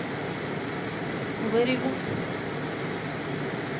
very good